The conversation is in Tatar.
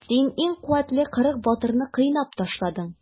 Син иң куәтле кырык батырны кыйнап ташладың.